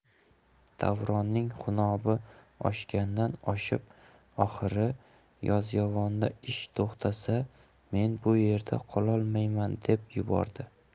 davronning xunobi oshgandan oshib oxiri yozyovonda ish to'xtasa men bu yerda qololmayman deb yubordi